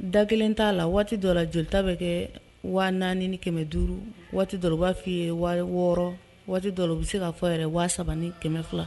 Da kelen t'a la waati dɔ la joli ta bɛ kɛ waa naani kɛmɛ duuru waati dɔ b' f fɔ'i ye wɔɔrɔ waati dɔ o bɛ se ka fɔ yɛrɛ waasa ni kɛmɛ fila